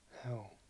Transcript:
juu